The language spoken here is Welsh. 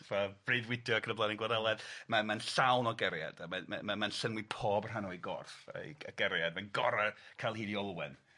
...fatha breuddwydio ac yn y blaen yn gwleddeled ma' mae'n llawn o geriad a mae mae mae'n llenwi pob rhan o'i gorff a'i g- y geriad mae'n gor'o' cael hyd i Olwen.